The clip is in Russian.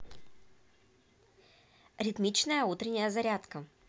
ритмичная утренняя зарядка